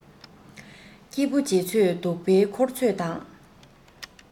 སྐྱིད པོ བྱེད ཚོད སྡུག པོའི འཁུར ཚོད དང